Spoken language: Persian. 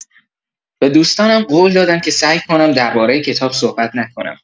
به دوستانم قول دادم که سعی کنم درباره کتاب صحبت نکنم.